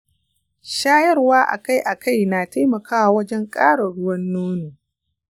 shayarwa akai-akai na taimakawa wajen ƙara ruwan nono